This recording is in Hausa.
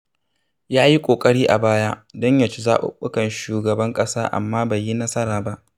Ya yi ƙoƙari a baya don ya ci zaɓuɓɓukan shugaban ƙasa amma bai yi nasara ba.